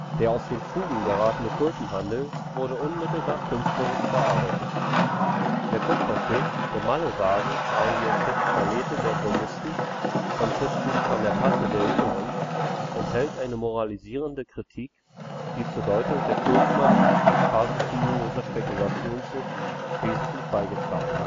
Der aus den Fugen geratene Tulpenhandel wurde unmittelbar künstlerisch verarbeitet. Der Kupferstich De Mallewagen alias het valete der Bloemisten von Crispin van der Passe d.J. enthält eine moralisierende Kritik, die zur Deutung der Tulpenmanie als Phase zügelloser Spekulationssucht wesentlich beigetragen